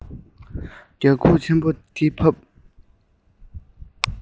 རྒྱབ ཁུག ཆེན པོ དེ ཕབ